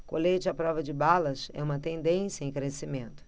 colete à prova de balas é uma tendência em crescimento